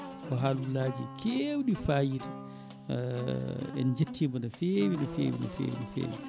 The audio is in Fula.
ko haalullaji kewɗi fayida en jettimo no fewi no fewi no fewi no fewi